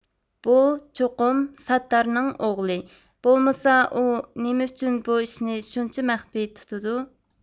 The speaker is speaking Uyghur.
بۇ چوقۇم ساتتارنىڭ ئوغلى بولمىسا ئۇ نېمە ئۈچۈن بۇ ئىشنى شۇنچە مەخپىي تۇتىدۇ